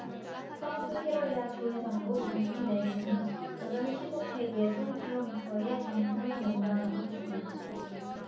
사우스캐롤리아 주 해상으로 이동 중인 매슈는 여전히 시속 백 예순 킬로미터의 강풍을 동반하고 있습니다